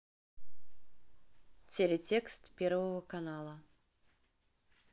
телетекст первого канала